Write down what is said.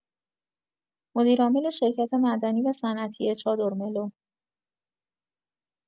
مدیرعامل شرکت معدنی و صنعتی چادرملو